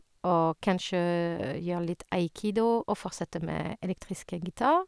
Og kanskje gjøre litt aikido og fortsette med elektriske gitar.